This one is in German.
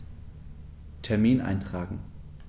Termin eintragen